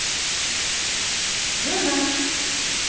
жена